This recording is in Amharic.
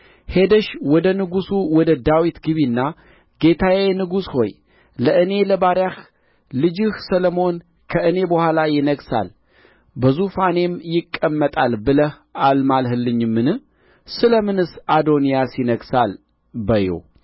ሄደሽ ወደ ንጉሡ ወደ ዳዊት ግቢና ጌታዬ ንጉሥ ሆይ ለእኔ ለባሪያህ ልጅሽ ሰሎሞን ከእኔ በኋላ ይነግሣል በዙፋኔም ይቀመጣል ብለህ አልማልህልኝምን ስለ ምንስ አዶንያስ ይነግሣል በዪው